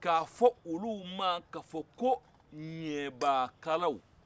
k'a fɔ olu ma k'a fɔ ko ɲɛbaakalaw